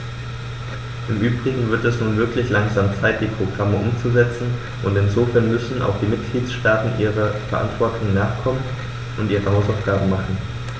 Im übrigen wird es nun wirklich langsam Zeit, die Programme umzusetzen, und insofern müssen auch die Mitgliedstaaten ihrer Verantwortung nachkommen und ihre Hausaufgaben machen.